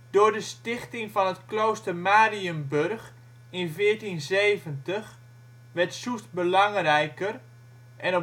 Door de stichting van het klooster Mariënburg in 1470 werd Soest belangrijker en